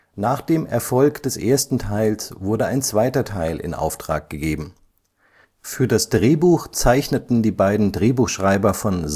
Nach dem Erfolg des ersten Teils wurde ein zweiter Teil in Auftrag gegeben. Für das Drehbuch zeichneten die beiden Drehbuchschreiber von